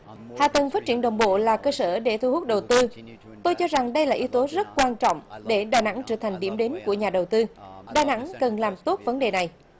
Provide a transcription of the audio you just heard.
hạ tầng phát triển đồng bộ là cơ sở để thu hút đầu tư tôi cho rằng đây là yếu tố rất quan trọng để đà nẵng trở thành điểm đến của nhà đầu tư đà nẵng cần làm tốt vấn đề này